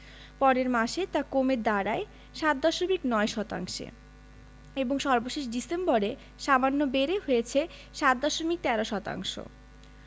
পরের মাসে তা কমে দাঁড়ায় ৭ দশমিক ০৯ শতাংশে এবং সর্বশেষ ডিসেম্বরে সামান্য বেড়ে হয়েছে ৭ দশমিক ১৩ শতাংশ